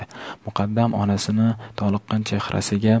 muqaddam onasining toliqqan chehrasiga